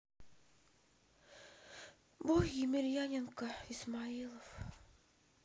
бой емельяненко исмаилов